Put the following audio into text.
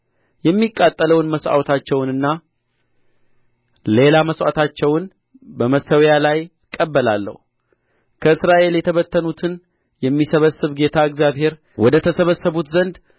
የሚቃጠለውን መሥዋዕታቸውንና ሌላ መሥዋዕታቸውን በመሠዊያዬ ላይ እቀበላለሁ ከእስራኤል የተበተኑትን የሚሰበስብ ጌታ እግዚአብሔር ወደ ተሰበሰቡት ዘንድ